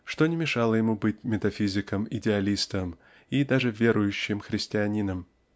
что не мешало ему быть метафизиком-идеалистом и даже верующим христианином.